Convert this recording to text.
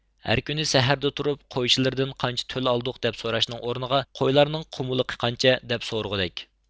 ھەر كۈنى سەھەردە تۇرۇپ قويچىلىرىدىن قانچە تۆل ئالدۇق دەپ سوراشنىڭ ئورنىغا قويلارنىڭ قۇمىلىقى قانچە دەپ سورىغۇدەك